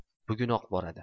bugunoq boradi